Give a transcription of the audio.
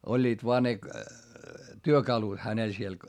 olivat vain ne työkalut hänellä siellä